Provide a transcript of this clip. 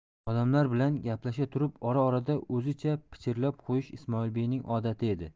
odamlar bilan gaplasha turib ora orada o'zicha pichirlab qo'yish ismoilbeyning odati edi